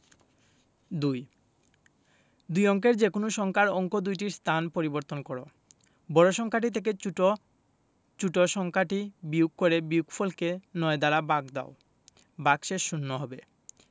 ২ দুই অঙ্কের যেকোনো সংখ্যার অঙ্ক দুইটির স্থান পরিবর্তন কর বড় সংখ্যাটি থেকে ছোট ছোট সংখ্যাটি বিয়োগ করে বিয়োগফলকে ৯ দ্বারা ভাগ দাও ভাগশেষ শূন্য হবে